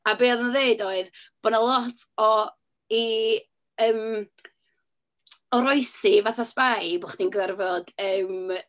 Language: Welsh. A beth oedd o'n ddeud oedd bod 'na lot o... i, yym, oroesi fatha spy, bod chdi'n gorfod, yym...